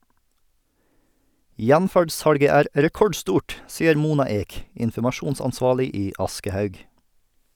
"Gjenferd-salget" er rekordstort, sier Mona Ek, informasjonsansvarlig i Aschehoug.